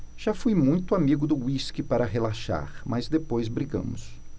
já fui muito amigo do uísque para relaxar mas depois brigamos